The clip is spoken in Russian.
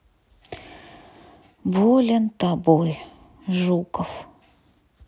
болен тобой жуков